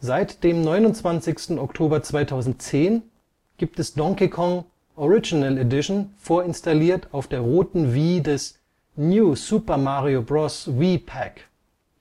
Seit 29. Oktober 2010 gibt es Donkey Kong - Original Edition vorinstalliert auf der roten Wii des „ New Super Mario Bros. Wii Pack